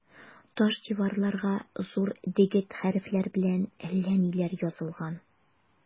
Таш диварларга зур дегет хәрефләр белән әллә ниләр язылган.